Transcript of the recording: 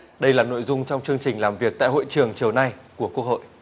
đây là nội dung trong chương trình làm việc tại hội trường chiều nay của quốc hội